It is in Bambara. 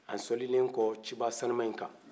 an seli le kɔ ciba sanuman yi kan